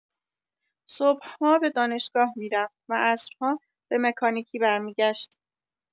صبح‌ها به دانشگاه می‌رفت و عصرها به مکانیکی برمی‌گشت.